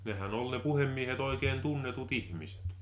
nehän oli ne puhemiehet oikein tunnetut ihmiset